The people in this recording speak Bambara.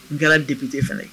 Ga de tunte fana ye